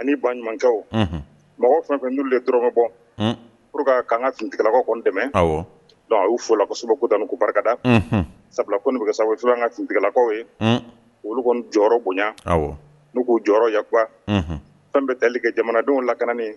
Ani ba ɲumankɛ mɔgɔ fɛn fɛn n de dɔrɔnɔrɔma bɔ walasa ka kanan ka kuntigɛlakaw dɛmɛ y'u fɔ la ko so da barikada sabula ko bɛ sa an ka kuntigilakaw ye olu kɔni jɔyɔrɔ bonya n'u kou jɔyɔrɔ ya qu fɛn bɛ deli kɛ jamanadenw laknen